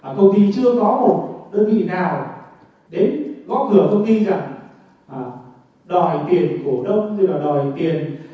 ở công ty chưa có một đơn vị nào đến gõ cửa công ty cả ờ đòi tiền cổ đông như là đòi tiền